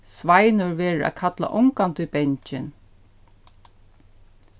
sveinur verður at kalla ongantíð bangin